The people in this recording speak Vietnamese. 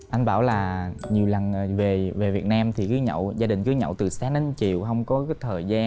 anh bảo là nhiều lần về về việt nam thì cứ nhậu gia đình cứ nhậu từ sáng đến chiều không có cái thời gian